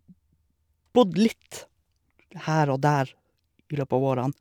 Bodd litt her og der i løpet av årene.